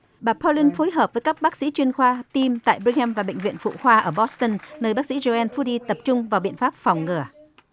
bà pau lin phối hợp với các bác sĩ chuyên khoa tim tại bê hem và bệnh viện phụ khoa ở bót tưn nơi bác sĩ gio en bút đi tập trung vào biện pháp phòng ngừa